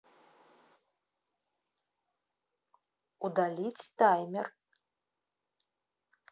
удалить таймер